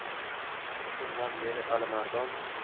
uch kundan beri alimardon